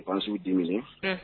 Unhun.